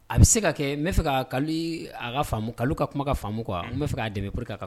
A bɛ se ka kɛ n bɛa fɛ ka ka a ka ka kuma ka faamumu an n bɛ fɛ k'a dɛmɛp kan